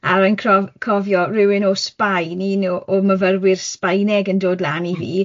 A rwy'n crof- cofio rywun o Sbaen, un o o myfyrwyr Sbaeneg yn dod lan i fi